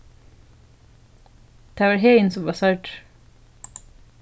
tað var heðin sum varð særdur